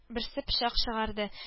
Берсе пычак чыгарды